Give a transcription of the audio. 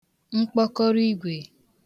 mkpọkọrọigwe